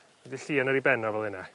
roid y llian ar 'i ben o fel yna.